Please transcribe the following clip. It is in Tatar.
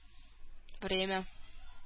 Время